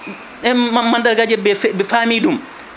em madargaje ɓe faami ɗum